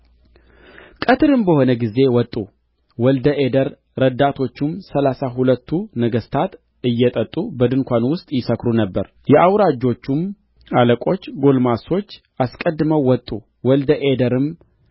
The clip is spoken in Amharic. ቀትርም በሆነ ጊዜ ወጡ ወልደ አዴር ረዳቶቹም ሠላሳ ሁለቱ ነገሥታት እየጠጡ በድንኳን ውስጥ ይሰክሩ ነበር የአውራጆቹም አለቆች ጕልማሶች አስቀድመው ወጡ ወልደ አዴርም